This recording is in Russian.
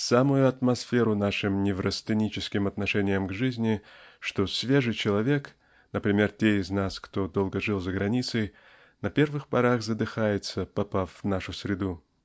самую атмосферу нашим неврастеническим отношением к жизни что свежий человек -- например те из нас кто долго жил за границей -- на первых порах задыхается попав в нашу среду.